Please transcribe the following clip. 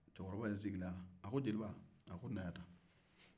cɛkɔrɔba in sigira a ko jeliba a ko na yan ta